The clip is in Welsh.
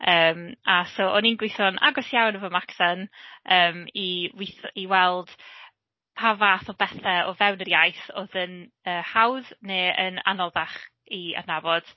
Yym a so o'n i'n gweitho'n agos iawn efo Macsen yym i weitho i weld pa fath o bethe o fewn yr iaith oedd yn yy hawdd, neu yn anoddach i adnabod.